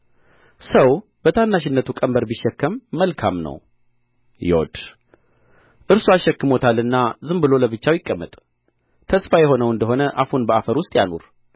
ሰው በታናሽነቱ ቀንበር ቢሸከም መልካም ነው ዮድ እርሱ አሸክሞታልና ዝም ብሎ ለብቻው ይቀመጥ ተስፋ የሆነው እንደ ሆነ አፉን በአፈር ውስጥ ያኑር